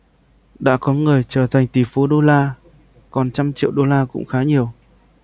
đã có người trở thành tỷ phú đô la còn trăm triệu đô la cũng khá nhiều